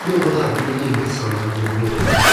Dwi me'wl bo' dda bo' gen ni un berso a wedyn ma' powb yn